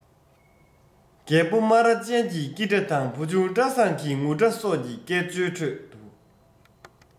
རྒད པོ རྨ ར ཅན གྱི ཀི སྒྲ དང བུ ཆུང བཀྲ བཟང གི ངུ སྒྲ སོགས ཀྱི སྐད ཅོའི ཁྲོད དུ